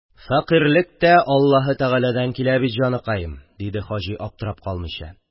– фәкыйрьлек тә аллаһы тәгаләдән килә бит, җаныкаем, – диде хаҗи, аптырап калмыйча